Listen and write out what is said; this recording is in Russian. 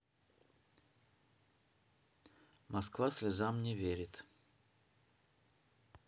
москва слезам не верит